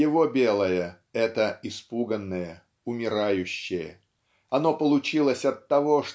его белое -- это испуганное, умирающее оно получилось от того